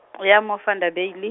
ya mo Vanderbilj-.